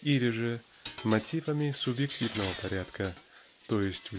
), или же мотивами субъективного порядка, т. е.